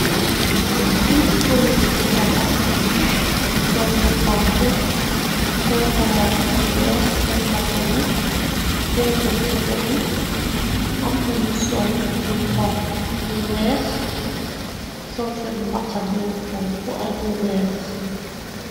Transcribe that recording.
Ay polis yu taxaw sol lu xonku sol kowaa ci weex seen loho yi teyeh sen feteli am nanyu sol lu xonku lu weex sol seen mbaxana yu xonku ak yu weex.